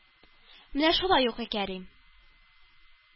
Менә шулай укый Кәрим,